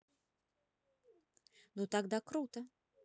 ну тогда круто